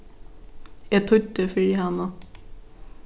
eg týddi fyri hana